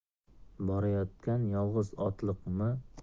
borayotgan yolg'iz otliq m